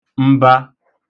mba